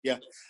Ia.